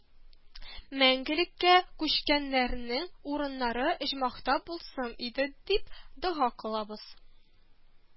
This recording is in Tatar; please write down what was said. Мәңгелеккә күчкәннәрнең урыннары оҗмахта булсын иде дип дога кылабыз